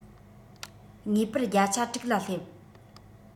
ངེས པར རྒྱ ཆ དྲུག ལ སླེབས